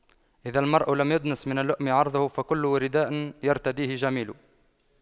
إذا المرء لم يدنس من اللؤم عرضه فكل رداء يرتديه جميل